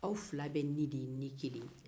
aw fila beɛ ni de ye kelen